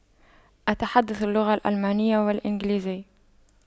أتحدث اللغة الألمانية والإنجليزية